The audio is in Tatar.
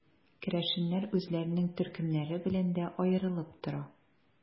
Керәшеннәр үзләренең төркемнәре белән дә аерылып тора.